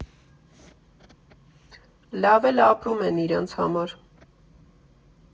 Լավ էլ ապրում են իրանց համար։